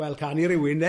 Wel, canu rhywun, de!